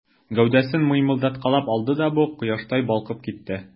Гәүдәсен мыймылдаткалап алды да бу, кояштай балкып китте.